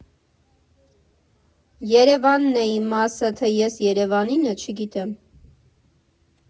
Երևանն է իմ մասը, թե ես Երևանինը՝ չգիտեմ։